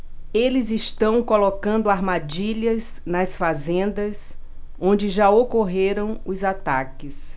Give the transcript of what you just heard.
eles estão colocando armadilhas nas fazendas onde já ocorreram os ataques